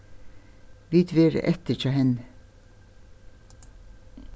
vit verða eftir hjá henni